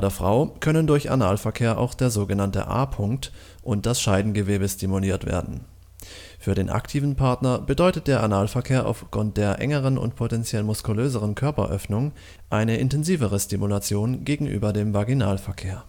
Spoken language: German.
Frau können durch Analverkehr auch der sogenannte A-Punkt und das Scheidengewebe stimuliert werden. Für den aktiven Partner bedeutet der Analverkehr aufgrund der engeren und potenziell muskulöseren Körperöffnung eine intensivere Stimulation gegenüber dem Vaginalverkehr